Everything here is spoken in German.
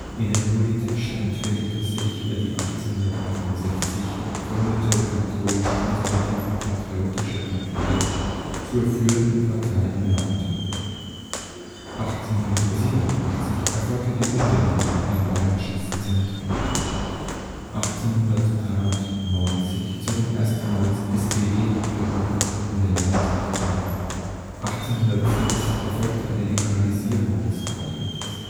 Innenpolitisch entwickelte sich die 1868 gegründete katholisch-konservative Patriotische Partei zur führenden Partei im Landtag. 1887 erfolgte die Umbenennung in Bayerisches Zentrum. 1893 zogen erstmals SPD-Abgeordnete in den Landtag ein (siehe hier). 1906 erfolgte eine Liberalisierung des Wahlrechts